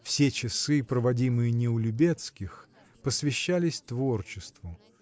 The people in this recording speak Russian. Все часы, проводимые не у Любецких, посвящались творчеству.